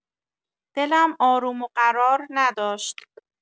دلم آروم و قرار نداشت.